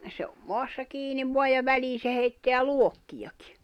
se on maassa kiinni vain ja väliin se heittää luokkiakin